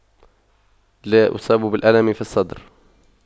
لا اصاب بالألم في الصدر